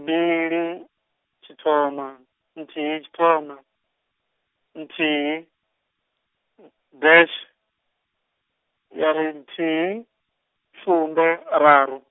mbili, tshithoma, nthihi tshithoma, nthihi, dash, ya ri nthi, sumbe, raru.